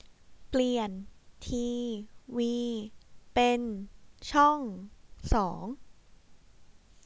เปลี่ยนทีวีเป็นช่องสอง